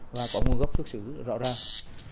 và có nguồn gốc xuất xứ rõ ràng